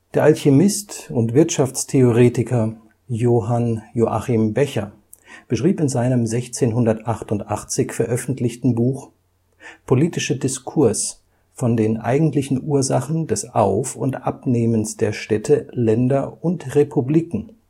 Der Alchemist und Wirtschaftstheoretiker Johann Joachim Becher beschrieb in seinem 1688 veröffentlichten Buch Politische Discvrs Von den eigentlichen Ursachen des Auf - und Abnehmens der Städte, Länder und Republiken